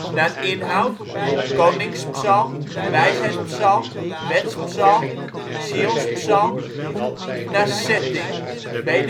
naar inhoud: koningspsalm, wijsheidspsalm, wetspsalm, sionspsalm naar setting: bedevaartspsalm